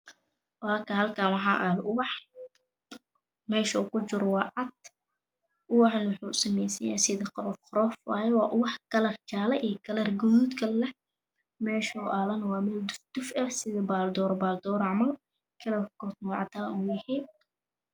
Mashan waa yalo ubax mash oow kujiro waa cadan kalar kisi waa cadan iyo jale